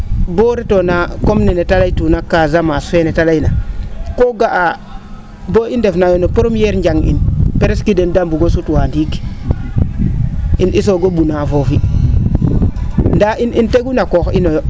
boo retoona comme nene te laytuuna casamance feene ne ta layna koo ga'aa boo i ndefnayo no premiere njang in presque den da mbugo sutwaayo no ndiig, in i soogo ?unaa foofi ndaa in in tegun a qoox inayo